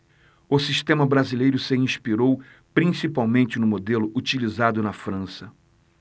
o sistema brasileiro se inspirou principalmente no modelo utilizado na frança